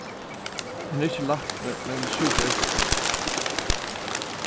hann er ikki lækni men sjúkrarøktarfrøðingur